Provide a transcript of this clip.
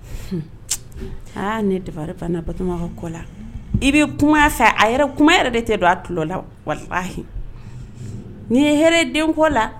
Ne dafama kɔ la i bɛ kuma fɛ a kuma de tɛ don ala n' ye h den kɔ la